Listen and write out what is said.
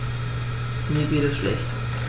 Mir geht es schlecht.